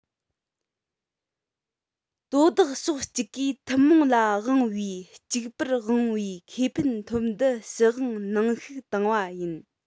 དོ བདག ཕྱོགས གཅིག གིས ཐུན མོང ལ དབང བའི གཅིག པུར དབང བའི ཁེ ཕན ཐོབ འདུན ཞུ དབང ནང བཤུག བཏང བ ཡིན